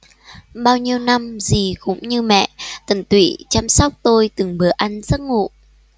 bao nhiêu năm dì cũng như mẹ tận tụy chăm sóc tôi từng bữa ăn giấc ngủ